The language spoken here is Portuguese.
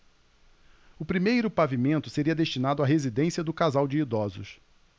o primeiro pavimento seria destinado à residência do casal de idosos